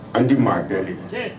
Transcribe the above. An ti maa dɛɛli cɛn